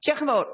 Jioch yn fowr.